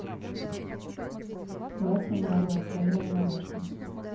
братья марио трейлер на русском